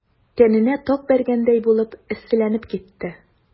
Тәненә ток бәргәндәй булып эсселәнеп китте.